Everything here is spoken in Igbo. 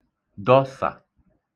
dọsà